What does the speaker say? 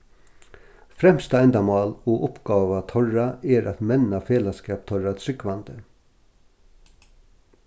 fremsta endamál og uppgáva teirra er at menna felagsskap teirra trúgvandi